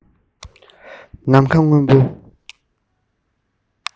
ནམ མཁའ སྔོན པོ